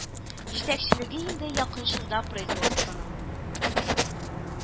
Җитәкчелеге инде якын чорда производствоның